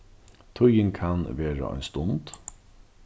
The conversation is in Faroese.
tíðin kann vera ein stund